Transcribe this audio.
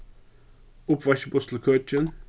uppvaskibust til køkin